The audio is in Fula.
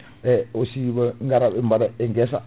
et aussi ɓe gara ɓe baaɗa e guessa